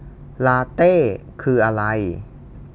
ลาเต้คืออะไร